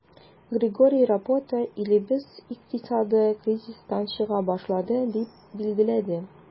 Григорий Рапота, илебез икътисады кризистан чыга башлады, дип билгеләде.